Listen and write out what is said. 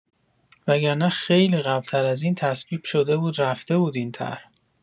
وگرنه خیلی قبل‌‌تر از این تصویب‌شده بود رفته بود این طرح!